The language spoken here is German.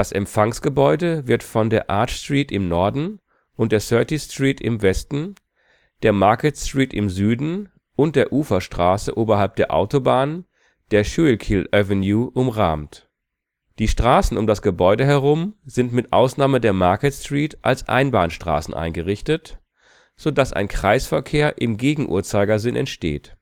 Empfangsgebäude wird von der Arch Street im Norden, der 30th Street im Westen, der Market Street im Süden und der Uferstraße oberhalb der Autobahn, der Schuylkill Avenue, umrahmt. Die Straßen um das Gebäude herum sind mit Ausnahme der Market Street als Einbahnstraßen eingerichtet, so dass ein Kreisverkehr im Gegenuhrzeigersinn entsteht